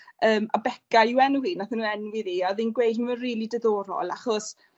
yym a Beca yw enw hi, nathon nw enwi ddi a odd 'i'n gweud ma' rili diddorol achos